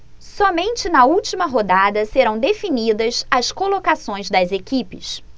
somente na última rodada serão definidas as colocações das equipes